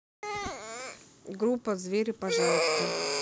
группа звери пожалуйста